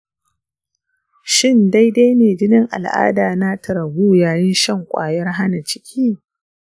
shin daidai ne jinin al'ada na ta ragu yayin shan kwayar hana ciki?